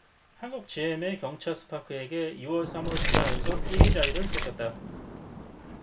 한국지엠의 경차 스파크에게 이 월 삼 월 두 달 연속 일 위 자리를 뺏겼다